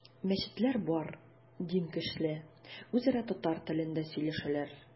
Мәчетләр бар, дин көчле, үзара татар телендә сөйләшәләр.